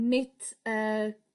nid yy